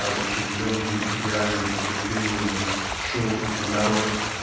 воодушевленный идеальными побуждениями шел "в народ"